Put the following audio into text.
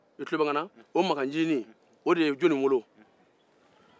makan ncinin ye jɔnni wolo